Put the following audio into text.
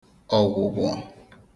ọ̀gwụ̀gwọ̀